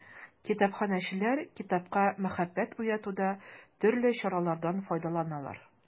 Китапханәчеләр китапка мәхәббәт уятуда төрле чаралардан файдаланалар.